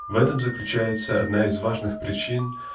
В этом заключается одна из важных причин